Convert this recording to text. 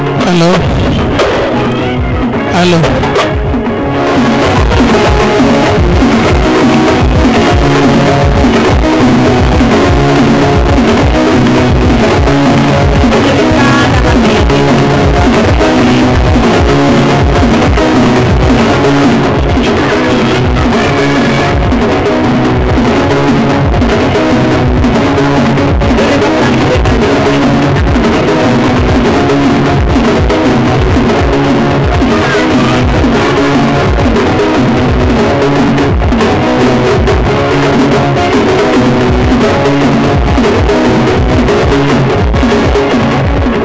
alo `